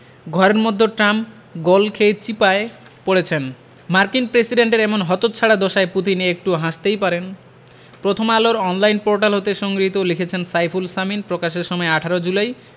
ঘোরের মধ্য Trump goal খেয়ে চিপায় পড়েছেন মার্কিন প্রেসিডেন্টের এমন হতচ্ছাড়া দশায় পুতিন একটু হাসতেই পারেন প্রথম আলোর অনলাইন পোর্টাল হতে সংগৃহীত লিখেছেন সাইফুল সামিন প্রকাশের সময় ১৮ জুলাই